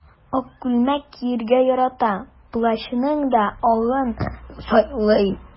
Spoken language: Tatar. Ак күлмәк кияргә ярата, плащның да агын сайлый.